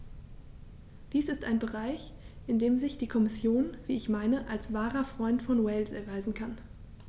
Dies ist ein Bereich, in dem sich die Kommission, wie ich meine, als wahrer Freund von Wales erweisen kann.